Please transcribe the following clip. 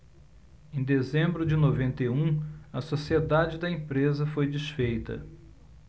em dezembro de noventa e um a sociedade da empresa foi desfeita